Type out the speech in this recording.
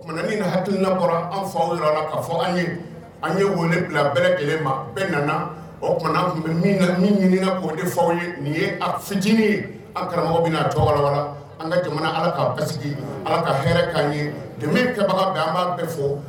Ka hakili bɔra an fa yɔrɔ'a fɔ an an ye weele bila bɛɛ lajɛlen ma bɛɛ nana o tuma bɛ ɲini ka' o de faw ye nin ye fitinin ye an karamɔgɔ bɛ'a tɔgɔ an ka jamana ala k' ba sigi ala ka hɛrɛ k'an ye kɛbaga an b'a bɛɛ fɔ